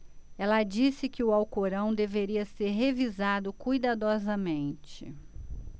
ela disse que o alcorão deveria ser revisado cuidadosamente